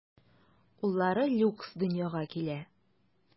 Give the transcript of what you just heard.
Уллары Люкс дөньяга килә.